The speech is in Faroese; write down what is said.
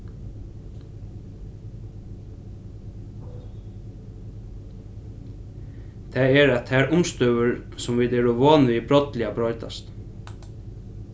tað er at tær umstøður sum vit eru von við brádliga broytast